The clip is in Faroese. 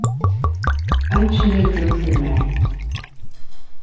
eingin hevur brúk fyri mær